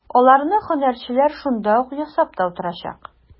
Аларны һөнәрчеләр шунда ук ясап та утырачак.